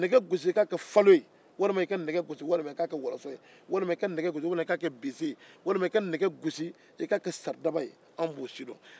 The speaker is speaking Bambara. ka nɛgɛ gosi k'a kɛ falo bese saridaba wɔlɔsɔ ye anw b'o de sidɔn